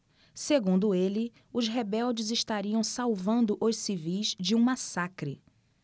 segundo ele os rebeldes estariam salvando os civis de um massacre